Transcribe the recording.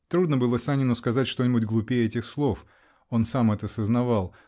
Трудно было Санину сказать что-нибудь глупее этих слов. он сам это сознавал.